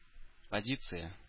Позиция